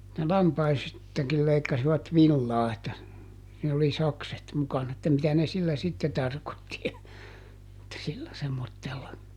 ne lampaistakin leikkasivat villaa että niillä oli sakset mukana että mitä ne sillä sitten tarkoitti ja että sillä semmoisella